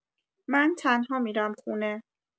من تنها می‌رم خونه.